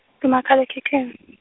kumakhalekhikhini .